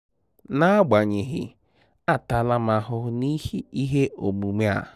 N'agbanyeghị, a taala m ahụhụ n'ihi ihe omume a.